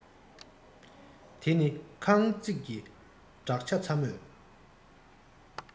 ད ནི ཁང བརྩེགས ཀྱི བྲག ཅ ཚ མོས